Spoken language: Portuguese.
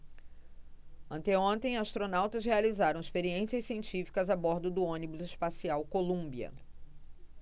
anteontem astronautas realizaram experiências científicas a bordo do ônibus espacial columbia